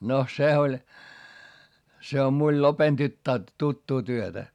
no se oli se on minulla lopen tyttää tuttua työtä